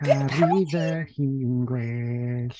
Caru fy hun gwell.